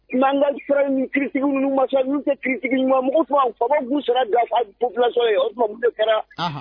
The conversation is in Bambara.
N ka siran ni kiig ninnu masasau kɛ kisigiɲuman mugu tun an fa'u sera gafasɔ o tuma kɛra